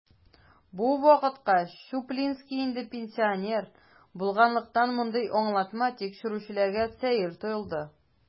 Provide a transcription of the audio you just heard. Бу вакытка Чуплинский инде пенсионер булганлыктан, мондый аңлатма тикшерүчеләргә сәер тоелды.